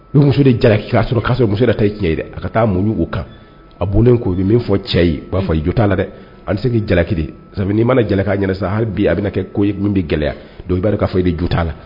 U muso jalaki'a sɔrɔ k' muso ta tiɲɛ yɛrɛ a ka taa mu' kan a bolo k'o bɛ min fɔ cɛ'a jo t la dɛ an bɛ se jalaki'i mana jalakan ɲ hali a bɛ ko ye min bɛ gɛlɛya dɔri k'a fɔ i de ju t'a la